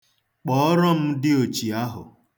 Kpọọrọ m diochi ahụ.